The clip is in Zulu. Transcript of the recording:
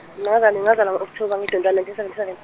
ngazalwa ngo- October nge- twenty one nineteen seventy seven.